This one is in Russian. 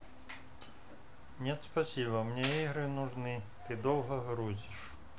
нет спасибо мне игры нужны ты долго грузишь